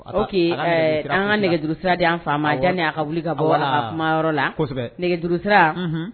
O que an ka nɛgɛuru sira di an faama yanni a ka wuli ka bɔ kumayɔrɔ la nɛgɛ duuru sira